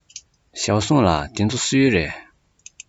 ཞའོ སུང ལགས འདི ཚོ སུའི རེད